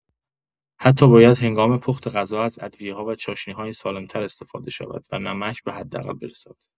حتی باید هنگام پخت غذا از ادویه‌ها و چاشنی‌های سالم‌تر استفاده شود و نمک به حداقل برسد.